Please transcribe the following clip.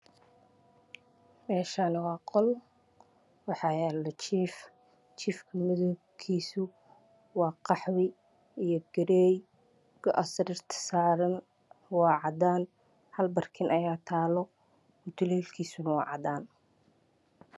Meeshaan waa qol waxaa yaalo jiif midabkiisu waa qaxwi iyo garee, go'a sariirta saaran waa cadaan, hal barkin ayaa taalo mutuleelkiisuna waa cadaan.